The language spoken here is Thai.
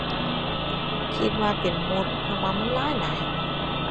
คิดว่าเป็นมด เพราะว่ามันหลายหลาย